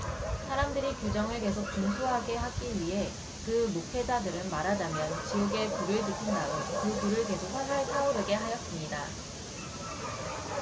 사람들이 규정을 계속 준수하게 하기 위해 그 목회자들은 말하자면 지옥의 불을 지핀 다음 그 불을 계속 활활 타오르게 하였습니다